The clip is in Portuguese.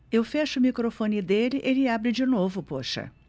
eu fecho o microfone dele ele abre de novo poxa